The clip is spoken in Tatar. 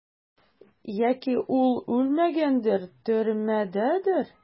Яки ул үлмәгәндер, төрмәдәдер?